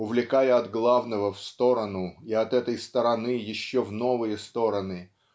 Увлекая от главного в сторону и от этой стороны еще в новые стороны